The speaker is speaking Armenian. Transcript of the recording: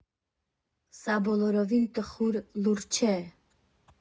Սա բոլորովին տխուր լուր չէ.